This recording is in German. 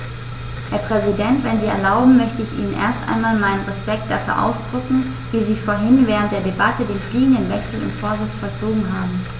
Herr Präsident, wenn Sie erlauben, möchte ich Ihnen erst einmal meinen Respekt dafür ausdrücken, wie Sie vorhin während der Debatte den fliegenden Wechsel im Vorsitz vollzogen haben.